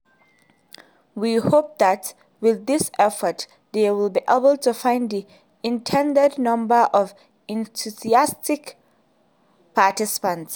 We hope that with these efforts they will be able to find the intended number of enthusiastic participants.